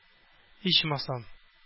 Ичмасам